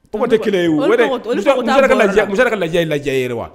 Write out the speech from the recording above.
Tɔgɔ tɛ kelen ye muso muso yɛrɛ ka lajɛ ye lajɛyere ye wa